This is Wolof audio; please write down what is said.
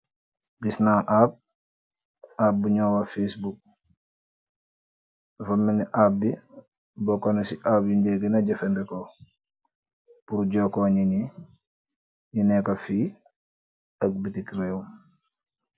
Gis na app, app bu ñoo wax facebook dafa melni app bi bokko na ci app yu de gena jafe ndeko pur jooko nin ñi neeko fi ak bitik réew